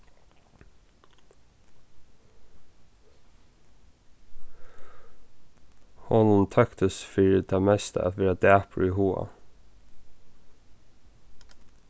honum tóktist fyri tað mesta at vera dapur í huga